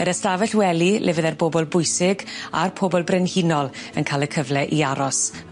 Yr ystafell wely le fydde'r bobol bwysig a'r pobol brenhinol yn ca'l y cyfle i aros.